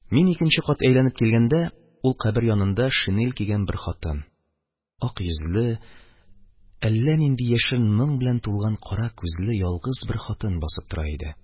Мин икенче кат әйләнеп килгәндә, ул кабер янында шинель кигән бер хатын, ак йөзле, әллә нинди яшерен моң белән тулган кара күзле ялгыз бер хатын басып тора иде